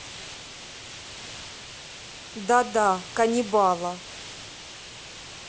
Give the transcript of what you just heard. да да каннибала